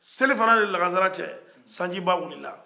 selifana ni laansara cɛ sajiba wulila